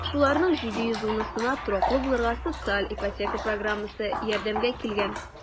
Шуларның 710-сына тораклы булырга социаль ипотека программасы ярдәмгә килгән.